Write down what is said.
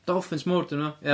Dolffins mawr 'dyn nhw, ia.